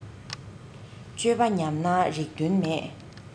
སྤྱོད པ ཉམས ན རིགས དོན མེད